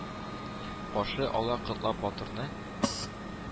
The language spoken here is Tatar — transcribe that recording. Каршы ала котлап батырны